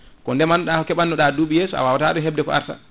ko ndeemanoɗa ko keeɓata duuɓi a wawata hebde ɗum ko arta